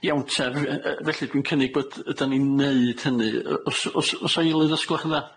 Iawn te, f- yy yy felly dwi'n cynnig bod ydan ni'n neud hynny yy o's o's o's 'a eilydd, os gwelwch yn dda?